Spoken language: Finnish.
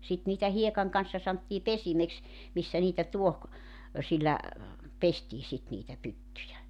sitten niitä hiekan kanssa sanottiin pesimeksi missä niitä -- sillä pestiin sitten niitä pyttyjä